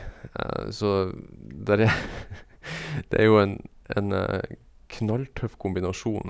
Så der e det er jo en en knalltøff kombinasjon.